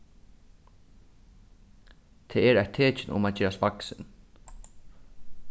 tað er eitt tekin um at gerast vaksin